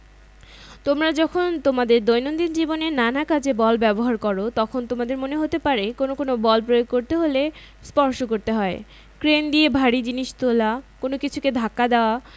তোমরা যখন তোমাদের দৈনন্দিন জীবনে নানা কাজে বল ব্যবহার করো তখন তোমাদের মনে হতে পারে কোনো কোনো বল প্রয়োগ করতে হলে স্পর্শ করতে হয় ক্রেন দিয়ে ভারী জিনিস তোলা কোনো কিছুকে ধাক্কা দেওয়া